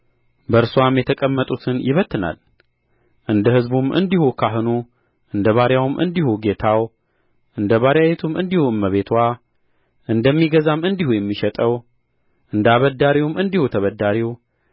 በእርስዋም የተቀመጡትን ይበትናል እንደ ሕዝቡም እንዲሁ ካህኑ እንደ ባሪያውም እንዲሁ ጌታው እንደ ባሪያይቱም እንዲሁ እመቤትዋ እንደሚገዛም እንዲሁ የሚሸጠው እንደ አበዳሪውም እንዲሁ ተበዳሪው